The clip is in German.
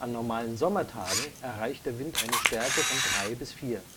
normalen Sommertagen erreicht der Wind eine Stärke von 3 bis 4.